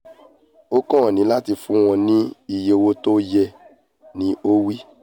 O kàn níláti fún wọn ní iye ọ̀wọ̀ tí ó yẹ, ni ó wí.